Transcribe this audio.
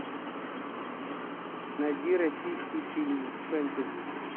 найди российские фильмы фэнтези